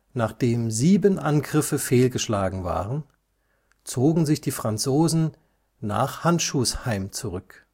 Nachdem sieben Angriffe fehlgeschlagen waren, zogen sich die Franzosen nach Handschuhsheim zurück